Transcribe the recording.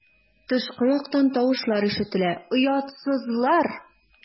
Тышкы яктан тавышлар ишетелә: "Оятсызлар!"